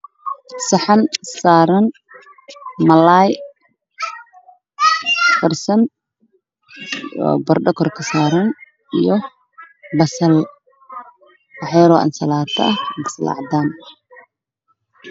Waa saxan cadaan waxaa saaran hilib malaay qudaar